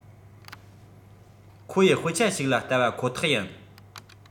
ཁོ ཡི དཔེ ཆ ཞིག ལ བལྟ བ ཁོ ཐག ཡིན